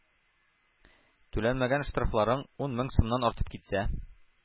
Түләнмәгән штрафларың ун мең сумнан артып китсә,